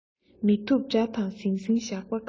མི ཐུབ དགྲ དང འཛིང འཛིང བཞག པ དགའ